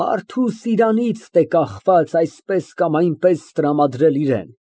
Մարդուս իրանիցն է կախված այսպես կամ այնպես տրամադրել իրան։